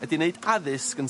ydi neud addysg yn...